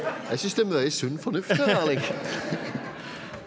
jeg synes det er mye sunn fornuft her Erling.